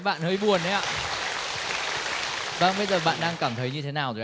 bạn hơi buồn đấy ạ vâng bây giờ bạn đang cảm thấy như thế nào rồi ạ